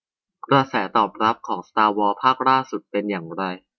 กระแสตอบรับของสตาร์วอร์ภาคล่าสุดเป็นอย่างไร